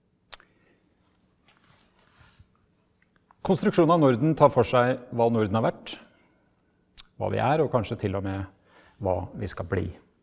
Konstruksjonen av Norden tar for seg hva Norden har vært hva vi er og kanskje t.o.m. hva vi skal bli.